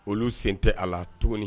Olu sen tɛ a la tuguni